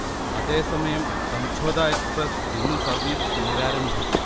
അതേസമയം സംഝോത എക്സ്പ്രസ്സ് ഇന്ന് സർവീസ് പുനരാരംഭിക്കും